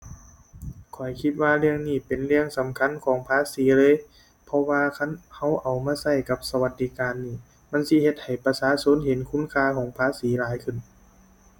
ข้อยคิดว่าเรื่องนี้เป็นเรื่องสำคัญของภาษีเลย เพราะว่าคันเราเอามาเรากับสวัสดิการนี่ มันสิเฮ็ดให้ประชาชนเห็นคุณค่าของภาษีหลายขึ้น